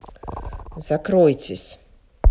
закройтесь